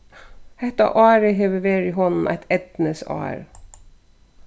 hetta árið hevur verið honum eitt eydnisár